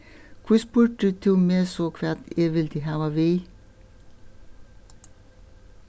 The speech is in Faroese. hví spurdi tú meg so hvat eg vildi hava við